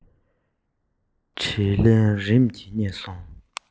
དྲིས ལན རིམ གྱིས རྙེད སོང